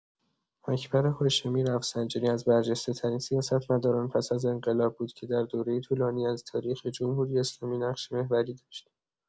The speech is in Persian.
اکبر هاشمی رفسنجانی از برجسته‌ترین سیاستمداران پس از انقلاب بود که در دوره‌ای طولانی از تاریخ جمهوری‌اسلامی نقش محوری داشت.